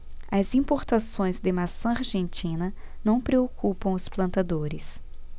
as importações de maçã argentina não preocupam os plantadores